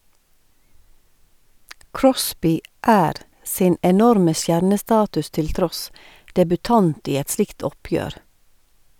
Crosby er - sin enorme stjernestatus til tross - debutant i et slikt oppgjør.